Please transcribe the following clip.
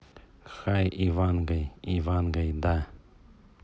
хай ивангай ивангай да